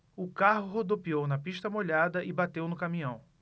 o carro rodopiou na pista molhada e bateu no caminhão